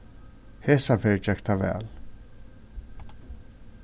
hesa ferð gekk tað væl